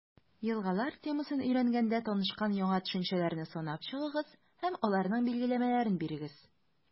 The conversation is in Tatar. «елгалар» темасын өйрәнгәндә танышкан яңа төшенчәләрне санап чыгыгыз һәм аларның билгеләмәләрен бирегез.